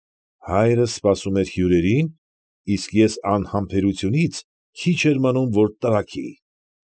Հայրս սպասում էր հյուրերին, իսկ ես անհամբերութենից քիչ էր մնում, որ տրաքեի։